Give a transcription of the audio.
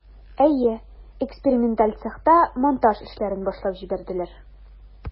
Әйе, эксперименталь цехта монтаж эшләрен башлап җибәрделәр.